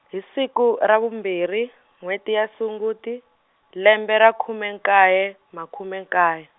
hi siku ra vumbirhi, n'wheti ya Sunguti, lembe ra khume nkaye, makhume nkaye.